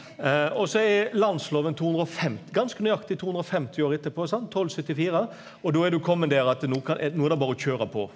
og så er landsloven ganske nøyaktig tohundreogfemti år etterpå sant 1274 og då er du komen der at no no er det berre å køyre på.